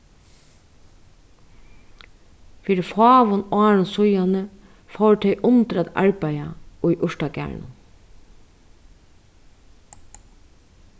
fyri fáum árum síðani fóru tey undir at arbeiða í urtagarðinum